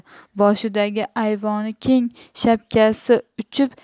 boshidagi ayvoni keng shapkasi uchib